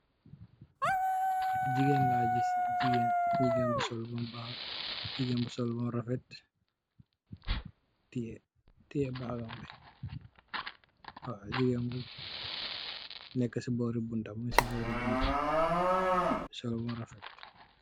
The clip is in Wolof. Jegain la giss jegain jegain bu sol bam bakh jegain bu sol bam refet teyee bagambi waw jegain bu neka se bore bunta mug se bore bunte sol bam refet.